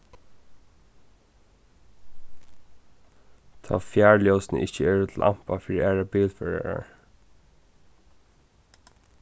tá fjarljósini ikki eru til ampa fyri aðrar bilførarar